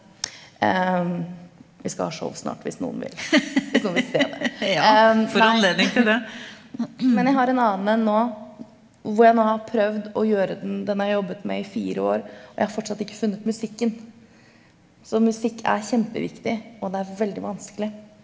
vi skal ha show snart hvis noen vil komme å se det, nei men jeg har en annen en nå hvor jeg nå har prøvd å gjøre den den har jeg jobbet med i fire år og jeg har fortsatt ikke funnet musikken, så musikk er kjempeviktig og det er veldig vanskelig.